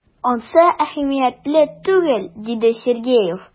Ансы әһәмиятле түгел,— диде Сергеев.